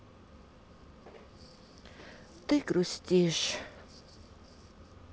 ты грустишь